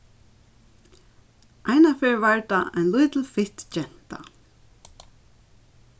einaferð var tað ein lítil fitt genta